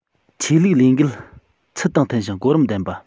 ཆོས ལུགས ལས འགུལ ཚུལ དང མཐུན ཞིང གོ རིམ ལྡན པ